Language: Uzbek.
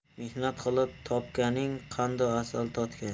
mehnat qilib topganing qandu asal totganing